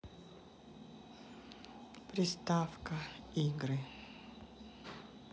приставка игры